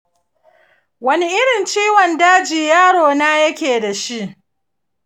wani irin ciwon daji yaro na yake dashi?